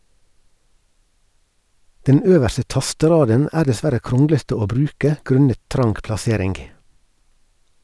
Den øverste tasteraden er dessverre kronglete å bruke grunnet trang plassering.